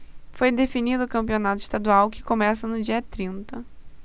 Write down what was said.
foi definido o campeonato estadual que começa no dia trinta